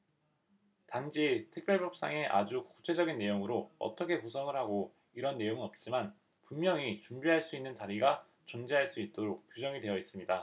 단지 특별법상에 아주 구체적인 내용으로 어떻게 구성을 하고 이런 내용은 없지만 분명히 준비할 수 있는 다리가 존재할 수 있도록 규정이 되어 있습니다